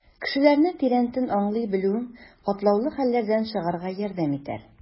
Кешеләрне тирәнтен аңлый белүең катлаулы хәлләрдән чыгарга ярдәм итәр.